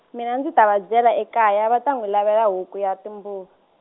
mina ndzi ta va byela ekaya va ta n'wi lavela huku ya timbuva.